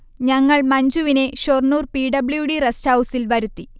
ഞങ്ങൾ മഞ്ജുവിനെ Shoranur P. W. D. റെസ്റ്റ്ഹൗസിൽ വരുത്തി